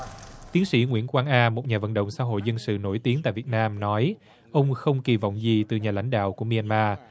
tiến sĩ nguyễn quang a một nhà vận động xã hội dân sự nổi tiếng tại việt nam nói ông không kỳ vọng gì từ nhà lãnh đạo của mi an ma